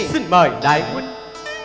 xin mời đại huynh